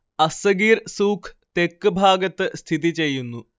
അസ്സഗീർ souq തെക്ക് ഭാഗത്ത് സ്ഥിതി ചെയ്യുന്നു